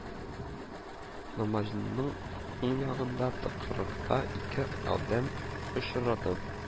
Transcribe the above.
Намаҗанның уң ягындагы тыкрыкта ике адәм очрады